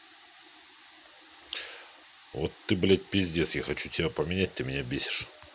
вот ты блядь пиздец я хочу тебя поменять ты меня бесишь